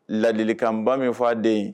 Ladilikanba min' den